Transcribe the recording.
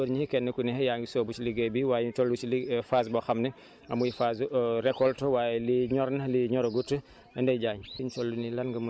kon jigéen ñi muy góor ñi kenn ku ne yaa ngi sóobu si liggéey bi waaye ñu toll si li phase boo xam ne muy phase su récolte waaye lii ñor na lii ñoragut